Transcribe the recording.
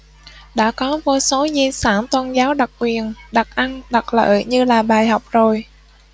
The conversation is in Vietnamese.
đã có vô số di sản tôn giáo đặc quyền đặc ân đặc lợi như là bài học rồi